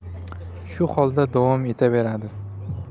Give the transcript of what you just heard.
shu holda davom etaveradi